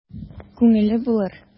Күңеле булыр...